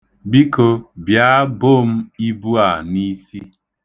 Biko bịa bo m ibu a n'isi.